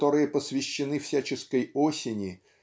которые посвящены всяческой осени